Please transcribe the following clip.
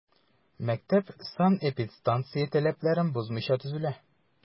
Мәктәп санэпидстанция таләпләрен бозмыйча төзелә.